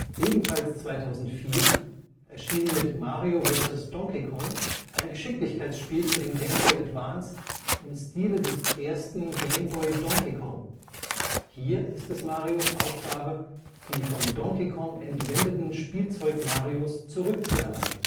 Ebenfalls 2004 erschien mit Mario VS Donkey Kong ein Geschicklichkeitsspiel für den GBA im Stile des ersten Game-Boy-Donkey-Kong. Hier ist es Marios Aufgabe, die von Donkey Kong entwendeten Spielzeug-Marios zurückzuerlangen